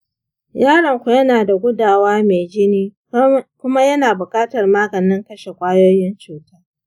yaronku yana da gudawa mai jini kuma yana buƙatar maganin kashe ƙwayoyin cuta.